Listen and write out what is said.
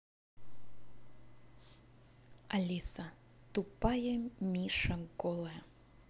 алиса тупая миша голая